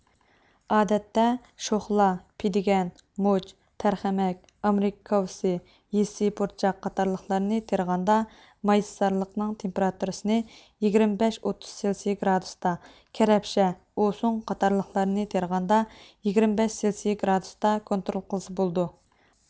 ئادەتتە شوخلا پېدىگەن مۇچ تەرخەمەك ئامېرىكا كاۋىسى يېسسى پۇرچاق قاتارلىقلارنى تېرىغاندا مايسىزارلىقنىڭ تېمپېراتۇرىسىنى يىگىرمە بەش ئوتتۇز سېلتسي گرادۇستا كەرەپشە ئوسۇڭ قاتارلىقلارنى تېرىغاندا يىگىرمە بەش سېلىسىي گرادۇستا كونترول قىلسا بولىدۇ